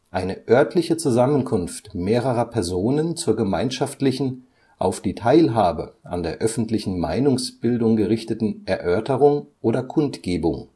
eine örtliche Zusammenkunft mehrerer Personen zur gemeinschaftlichen, auf die Teilhabe an der öffentlichen Meinungsbildung gerichteten Erörterung oder Kundgebung